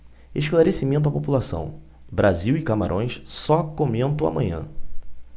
esclarecimento à população brasil e camarões só comento amanhã